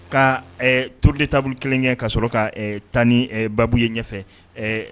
Ka toro de taabolo kelen kɛ ka sɔrɔ ka taa ni babu ye ɲɛfɛ